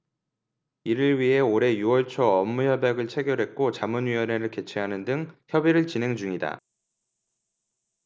이를 위해 올해 유 월 초 업무협약을 체결했고 자문위원회를 개최하는 등 협의를 진행 중이다